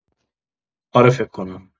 اره فک کنم